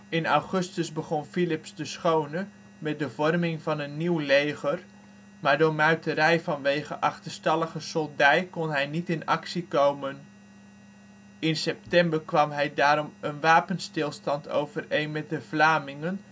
In augustus begon Philips de Schone met de vorming van een nieuw leger, maar door muiterij vanwege achterstallige soldij kon hij niet in actie komen. In september kwam hij daarom een wapenstilstand overeen met de Vlamingen